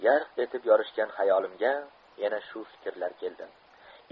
yarq etib yorishgan hayolimga yana shu fikrlar keldi